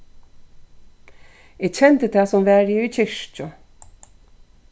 eg kendi tað sum var eg í kirkju